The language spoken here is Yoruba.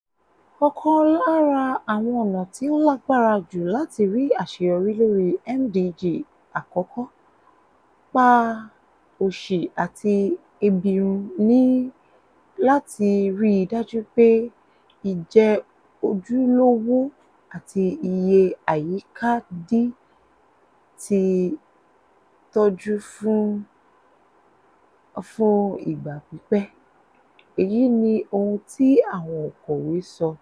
Ọkàn lára àwọn ọ̀nà tí ó lágbára jù láti rí àṣeyọrí lórí MDG àkọ́kọ́ - pa òṣì àti ebi run ni láti rí i dájú pé ìjẹ́ ojúlówó àti iye àyíká di tí tọ́jú fún fún ìgbà pípẹ́, " èyí ni ohun tí àwọn òǹkọ̀wé sọ.